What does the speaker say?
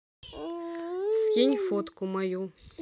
скинь фотку мою